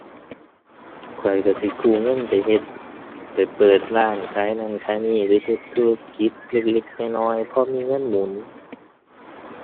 ข้อยก็สิกู้เงินไปเฮ็ด ไปเปิดร้านขายนั้นขายนี้หรือเฮ็ดธุรกิจเล็กเล็กน้อยน้อย พอมีเงินหมุน